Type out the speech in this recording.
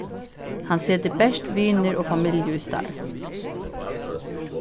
hann setir bert vinir og familju í starv